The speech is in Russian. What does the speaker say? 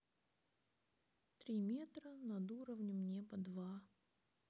три метра над уровнем неба два